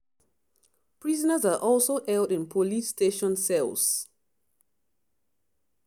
Prisoners are also held in police station cells.